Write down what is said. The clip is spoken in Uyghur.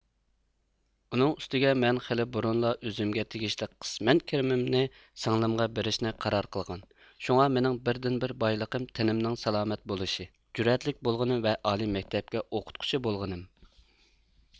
ئۇنىڭ ئۈستىگە مەن خېلى بۇرۇنلا ئۆزۈمگە تېگىشلىك قىسمەن كىرىمىمنى سىڭلىمغا بېرىشنى قارار قىلغان شۇڭا مېنىڭ بىردىنبىر بايلىقىم تېنىمنىڭ سالامەت بولۇشى جۈرئەتلىك بولغىنىم ۋە ئالىي مەكتەپكە ئوقۇتقۇچى بولغىنىم